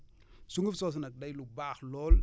sunguf soosu nag day lu baax lool